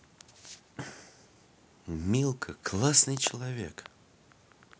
milka классный человек